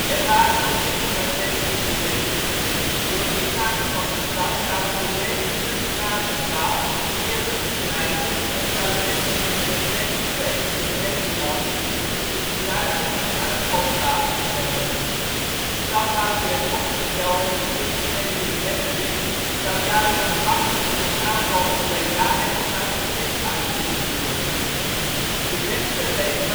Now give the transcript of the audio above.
Er waren nog meer strategische redenen: door inname van de stad zouden de legers tussen Maas en Waal meer rust krijgen en zou de Republiek der Zeven Verenigde Nederlanden in het zuiden een uitvalsbasis hebben. Stadhouder en opperbevelhebber prins Frederik Hendrik zou daardoor makkelijker een aanval op Breda en / of Maastricht uit kunnen voeren. De beste reden was